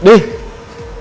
đi